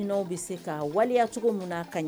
I n'anw bɛ se ka waleya cogo min na ka ɲɛ